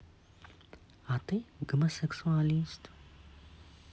а ты гомосексуалист